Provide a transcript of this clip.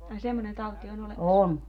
ai semmoinen tauti on olemassa